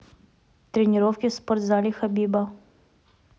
тренировки в спортзале хабиба